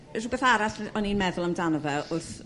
Yrr rhywbeth arall o'n i'n meddwl amdano fe wrth